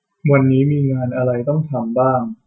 วันนี้มีงานอะไรต้องทำบ้าง